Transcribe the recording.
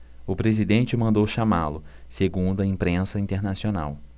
o presidente mandou chamá-lo segundo a imprensa internacional